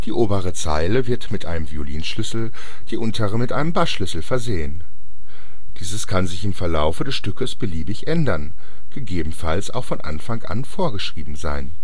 obere Zeile wird mit einem Violinschlüssel, die untere mit einem Bassschlüssel versehen; dieses kann sich im Verlauf des Stückes beliebig ändern, gegebenenfalls auch von Anfang an vorgeschrieben sein